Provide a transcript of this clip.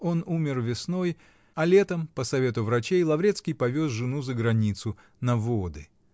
он умер весной, а летом, по совету врачей, Лаврецкий повез жену за границу, на воды.